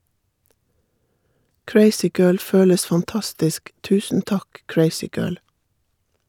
Crazygirl føles fantastisk, tusen takk crazygirl.